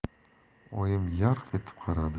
oyim yarq etib qaradi